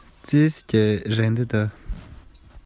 ང རྒྱལ གྱི ཉམས ཤིག མངོན བཞིན གྲོ ནས དག